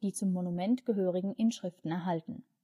zum Monument gehörigen Inschriften erhalten